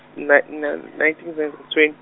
ngina na- nineteen ngizoyenza twen-.